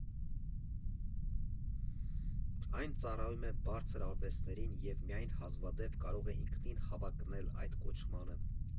Այն ծառայում է բարձր արվեստներին և միայն հազվադեպ կարող է ինքնին հավակնել այդ կոչմանը։